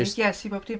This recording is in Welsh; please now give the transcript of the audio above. Deud yes i bob dim.